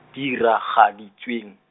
diragaditsweng.